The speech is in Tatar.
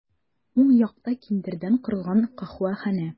Уң якта киндердән корылган каһвәханә.